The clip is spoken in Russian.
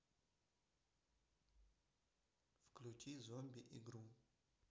включи зомби игру